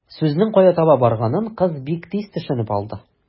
Сүзнең кая таба барганын кыз бик тиз төшенеп алды.